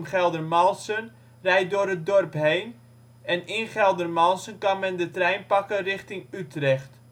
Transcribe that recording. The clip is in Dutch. Geldermalsen rijdt door het dorp heen, en in Geldermalsen kan men de trein pakken richting Utrecht